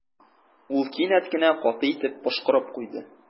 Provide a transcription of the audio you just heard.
Ул кинәт кенә каты итеп пошкырып куйды.